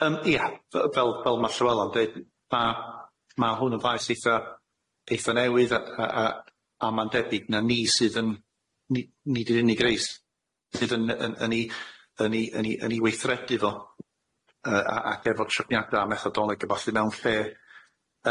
Yym ia f- fel fel ma' Llywela'n deud ma' ma' hwn yn faes eitha eitha newydd a a a a ma'n debyg na ni sydd yn ni nid yn unig reis sydd yn yn yn i yn i yn i yn i weithredu fo yy a- ac efo tryfniada methodoleg a ballu mewn lle.